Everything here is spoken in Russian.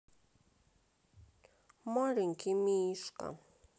маленький мишка